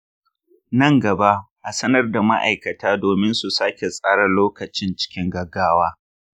nan gaba, a sanar da ma’aikata domin su sake tsara lokacin cikin gaggawa.